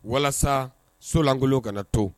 Walasa solangolo kana na to